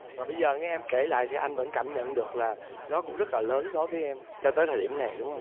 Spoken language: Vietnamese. và bây giờ nghe em kể lại thì anh vẫn cảm nhận được là nó cũng rất là lớn đối với em cho tới thời điểm này đúng không